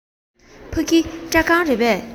ཕ གི སྐྲ ཁང རེད པས